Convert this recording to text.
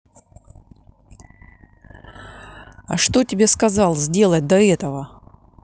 я что тебе сказал сделать до этого